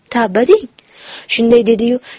tavba deng shunday dediyu